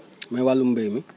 mooy wàllum mbéy mi